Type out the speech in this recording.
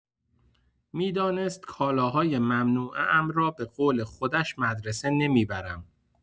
می‌دانست کالاهای ممنوعه‌ام را به قول خودش مدرسه نمی‌برم.